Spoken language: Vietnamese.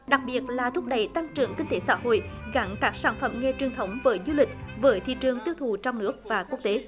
đặc biệt là thúc đẩy tăng trưởng kinh tế xã hội gắn các sản phẩm nghề truyền thống với du lịch với thị trường tiêu thụ trong nước và quốc tế